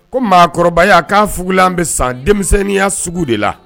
Ko mɔgɔkɔrɔbabaya y' a k'a fugula bɛ san denmisɛnninya sugu de la